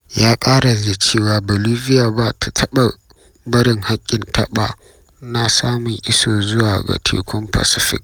Ya kara da cewa "Bolivia ba za ta taɓa barin haƙƙin taɓa na samun iso zuwa ga Tekun Pacific.”